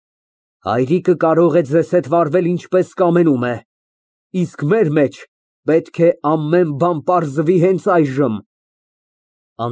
Հայրիկը կարող է ձեզ հետ վարվել ինչպես կամենում է, իսկ մեր մեջ պետք է ամեն բան պարզվի հենց այժմ։